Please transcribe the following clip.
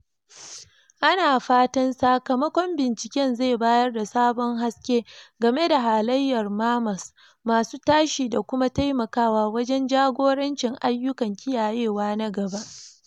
Ana fatan sakamakon binciken zai bayar da sabon haske game da halayyar mammals masu tashi da kuma taimakawa wajen jagorancin ayyukan kiyayewa na gaba.